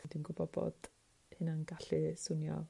dwi'n gwbo bod hynna'n gallu swnio